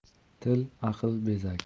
til aql bezagi